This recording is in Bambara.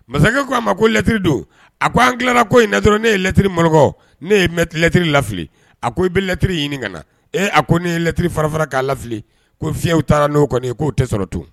Masakɛ ko a ma kolɛt don a ko an tilala ko in lat dɔrɔn ne yelɛt mkɔ ne ye mɛlɛttiriri lali a ko i bɛlɛttiri ɲini kana na e a ko ne yelɛt fara fara k'a lafili ko fiyew taara n'o kɔni k'o tɛ sɔrɔ tun